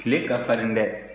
tile ka farin dɛ